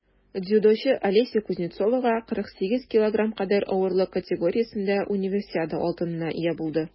Дзюдочы Алеся Кузнецова 48 кг кадәр авырлык категориясендә Универсиада алтынына ия булды.